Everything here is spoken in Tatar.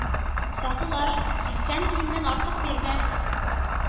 Сатулаш, сиксән тиеннән артык бирмә.